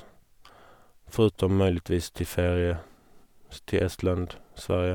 Foruten muligvis til ferie s til Estland, Sverige.